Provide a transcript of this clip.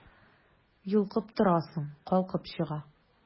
Йолкып торасың, калкып чыга...